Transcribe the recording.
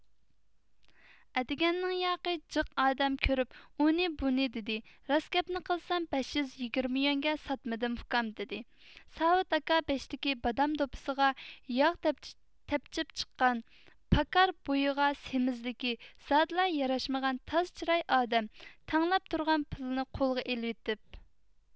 ئەتىگەننىڭياقى جېق ئادەم كۆرۈپ ئۇنى بۇنى دېدى راست گەپنى قىلسام بەش يۈز يىگىرمە يۈەنگە ساتمىدىم ئۇكام دىدى ساۋۇت ئاكا بېشىدىكى بادام دوپپىسىغا ياغ تەپچىپ چىققان پاكار بويىغا سېمىزلىكى زادىلا ياراشمىغان تاز چىراي ئادەم تەڭلەپ تۇرغان پۇلنى قولىغا ئېلىۋېتىپ